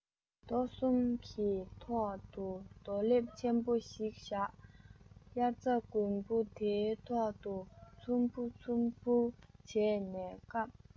རྡོ གསུམ གྱི ཐོག ཏུ རྡོ ལེབ ཆེན པོ ཞིག བཞག དབྱར རྩྭ དགུན འབུ དེའི ཐོག ཏུ ཚོམ བུ ཚོམ བུར བྱས ནས བསྐམས